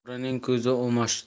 o'g'rining ko'zi o'mochda